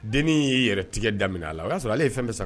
Dennin y'i yɛrɛ tigɛ damin a o y' sɔrɔ ale ye fɛn bɛ san